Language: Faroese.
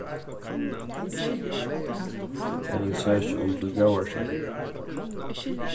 eg vil søkja um tilgóðarseðil